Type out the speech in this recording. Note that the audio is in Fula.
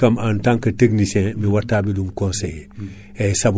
eyyi ko kamɓe non produit Aprostar o ummi ko Suisse